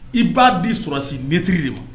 I b'a di sɔrɔsi nitiri de ma